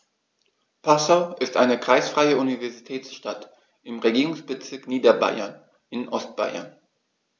Passau ist eine kreisfreie Universitätsstadt im Regierungsbezirk Niederbayern in Ostbayern.